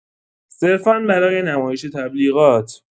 صرفا برای نمایش تبلیغات